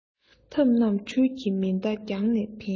ཐབས རྣམས འཕྲུལ གྱི མེ མདའ རྒྱང ནས འཕེན